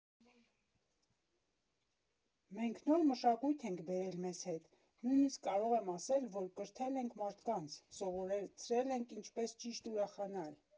Մենք նոր մշակույթ ենք բերել մեզ հետ, նույնիսկ կարող եմ ասել, որ կրթել ենք մարդկանց, սովորեցրել ենք՝ ինչպես ճիշտ ուրախանալ։